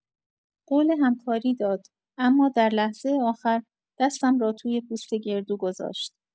قول همکاری داد، اما در لحظه آخر دستم را توی پوست گردو گذاشت.